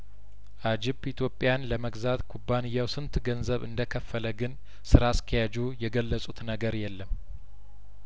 አጂፕ ኢትዮጵያን ለመግዛት ኩባንያው ስንት ገንዘብ እንደከፈለግን ስራ አስኪያጁ የገለጹት ነገር የለም